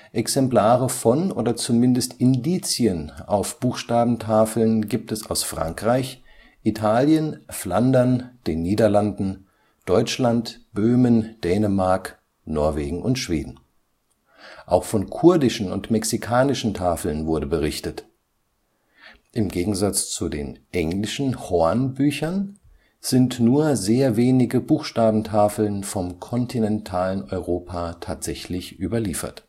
Exemplare von oder zumindest Indizien auf Buchstabentafeln gibt es aus Frankreich, Italien, Flandern, den Niederlanden, Deutschland, Böhmen, Dänemark, Norwegen und Schweden. Auch von kurdischen und mexikanischen Tafeln wurde berichtet. Im Gegensatz zu den englischen Hornbüchern sind nur sehr wenige Buchstabentafeln vom kontinentalen Europa tatsächlich überliefert